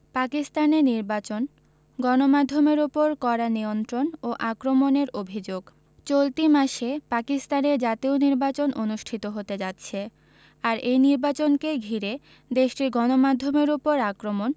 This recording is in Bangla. পাকিস্তানে নির্বাচন গণমাধ্যমের ওপর কড়া নিয়ন্ত্রণ ও আক্রমণের অভিযোগ চলতি মাসে পাকিস্তানে জাতীয় নির্বাচন অনুষ্ঠিত হতে যাচ্ছে আর এই নির্বাচনকে ঘিরে দেশটির গণমাধ্যমের ওপর আক্রমণ